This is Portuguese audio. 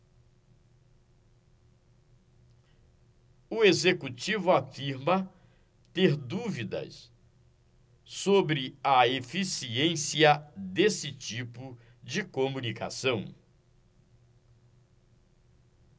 o executivo afirma ter dúvidas sobre a eficiência desse tipo de comunicação